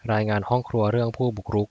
รายงานห้องครัวเรื่องผู้บุกรุก